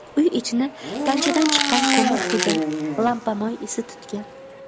uy ichini tanchadan chiqqan ko'mir hidi lampamoy isi tutgan